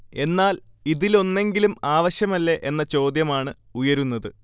എന്നാൽ ഇതിലൊന്നെങ്കിലും ആവശ്യമല്ലേ എന്ന ചോദ്യമാണ് ഉയരുന്നത്